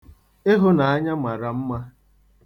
Ịhụnanya mara mma.